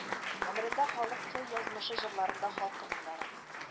Гомерендә халкы язмышы җырларында халкы моңнары